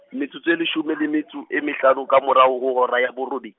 metsotso e leshome le metso e mehlano ka morao ho hora ya borobe-.